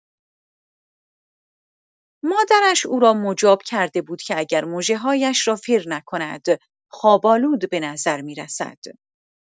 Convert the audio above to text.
مادرش او را مجاب کرده بود که اگر مژه‌هایش را فر نکند خواب‌آلود به نظر می‌رسد.